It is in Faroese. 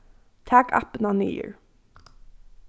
tak appina niður